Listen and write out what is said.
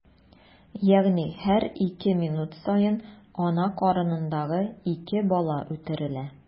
Ягъни һәр ике минут саен ана карынындагы ике бала үтерелә.